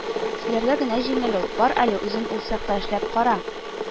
Сөйләргә генә җиңел ул, бар әле, үзең ул цехта эшләп кара